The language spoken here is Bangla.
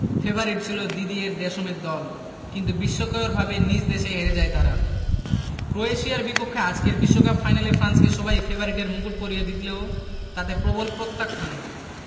ফেভারিট ছিল দিদিয়ের দেশমের দল কিন্তু বিস্ময়করভাবে নিজ দেশে হেরে যায় তারা ক্রোয়েশিয়ার বিপক্ষে আজকের বিশ্বকাপ ফাইনালে ফ্রান্সকে সবাই ফেভারিটের মুকুট পরিয়ে দিলেও তাতে প্রবল প্রত্যাখ্যান